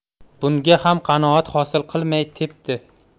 bunga ham qanoat hosil qilmay tepdi